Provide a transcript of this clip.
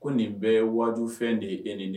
Ko nin bɛɛ ye wagaju fɛn de ye e nin ye